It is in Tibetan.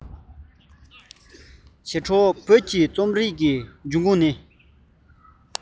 བྱེ བྲག བོད ཀྱི རྩོམ རིག གི བྱུང རིམ ནི